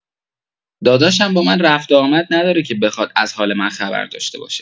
داداشم با من رفت آمد نداره که بخواد از حال من خبر داشته باشه!